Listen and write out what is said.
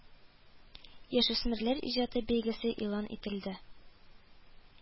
Яшүсмерләр иҗаты бәйгесе игълан ителде